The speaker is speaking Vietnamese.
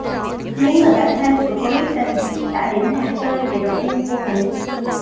những người bạn thân của kristen đã đến nhà chơi để động viên cô ấy